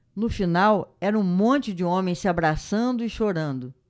no final era um monte de homens se abraçando e chorando